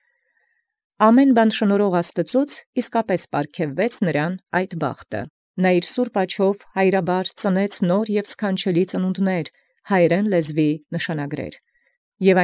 Որում պարգևէր իսկ վիճակ յամենաշնորհողէն Աստուծոյ. հայրական չափուն ծնեալ ծնունդս նորոգ և սքանչելի՝ սուրբ աջովն իւրով, նշանագիրս հայերէն լեզուին։